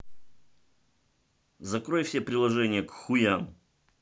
закрой все приложения к хуям